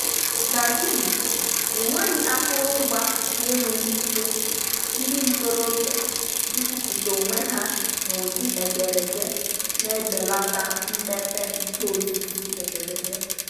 Na Guinea, enweghi akụrụngwa na enweghị ike ndị ntorobịa ikwupụta onwe ha n'ụdị ederede na-ebelata mmepe nke ozuzu ederede.